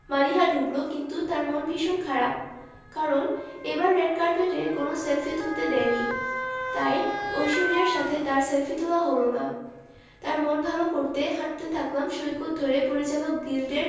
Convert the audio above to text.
মালিহা ঢুকলো কিন্তু তার মন ভীষণ খারাপ কারণ এবার রেড কার্পেটে কোনো সেলফি তুলতে দেয়নি তাই ঐশ্বরিয়ার সাথে তার সেলফি তোলা হলো না তার মন ভালো করতে হাঁটতে থাকলাম সৈকত ধরে পরিচালক গিল্ডের